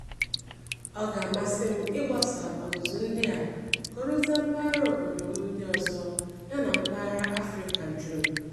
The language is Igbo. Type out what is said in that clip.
Ọ ga-amasị m ịgbasa ọzụzụ ndị a ka orute mpaghara obodo m ndị ọzọ ya na mpaghara Afrịka dum.